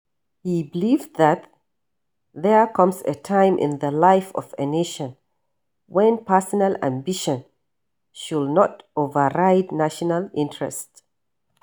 He believes that there "comes a time in the life of a nation when personal ambition should not override national interest".